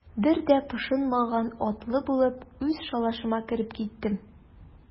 Бер дә пошынмаган атлы булып, үз шалашыма кереп киттем.